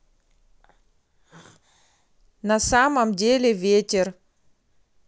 на самом деле ветер